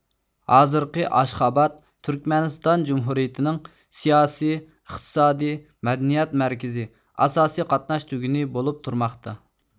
ھازىرقى ئاشخاباد تۈركمەنىستان جۇمھۇرىيىتىنىڭ سىياسىي ئىقتسادىي مەدەنىيەت مەركىزى ئاساسىي قاتناش تۈگۈنى بولۇپ تۇرماقتا